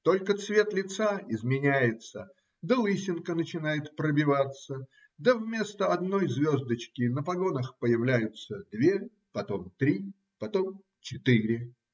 только цвет лица изменяется, да лысинка начинает пробиваться, да вместо одной звездочки на погонах появляются две, потом три, потом четыре.